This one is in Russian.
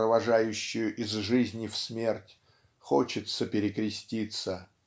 провожающую из жизни в смерть хочется перекреститься.